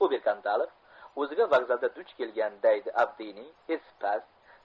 ober kandalov o'ziga vokzalda duch kelgan daydi avdiyning esipast